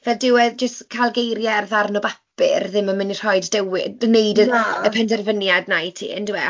Fel dyw e... jyst cael geiriau ar ddarn o bapur ddim yn mynd i rhoi dewi- gwneud y... na. ...y penderfyniad 'na i ti yndyw e?